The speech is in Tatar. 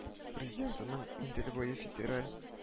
Президентының Идел буе федераль